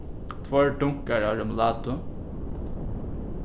tveir dunkar av remulátu